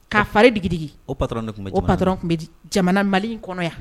Kaa faraigi o tun bɛ o bɛ jamana mali in kɔnɔ yan